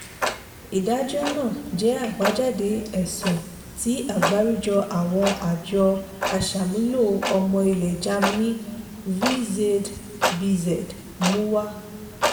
Ìdájọ́ náà jẹ́ àbájáde ẹ̀sùn tí Àgbáríjọ àwọn àjọ aṣàmúlò ọmọ ilẹ̀ Germany, VZBZ mú wá